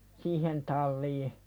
siihen taliin